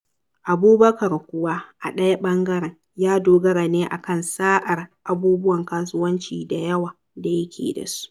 Abubakar kuwa, a ɗaya ɓangaren, ya dogara ne a kan "sa'ar" "abubuwan kasuwanci da yawa" da yake da su.